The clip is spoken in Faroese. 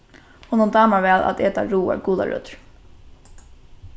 honum dámar væl at eta ráar gularøtur